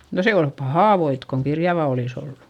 no se oli pahaa voita kun kirjavaa olisi ollut